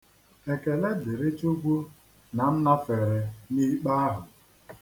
Ekele dịrị Chukwu na-alafere m n'ikpe ahụ.